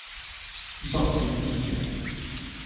бабские титьки